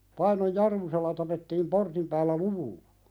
Painon Jarmusella tapettiin portin päällä luvulla